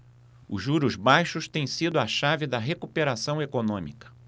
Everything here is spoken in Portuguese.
os juros baixos têm sido a chave da recuperação econômica